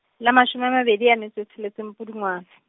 la mashome a mabedi a metso e tsheletseng, Pudungwane.